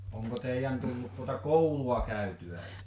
onko teidän tullut tuota koulua käytyä